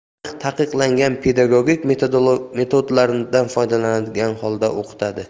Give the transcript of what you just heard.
tarix taqiqlangan pedagogik metodlardan foydalangan holda o'qitadi